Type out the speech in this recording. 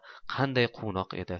qanday quvnoq edi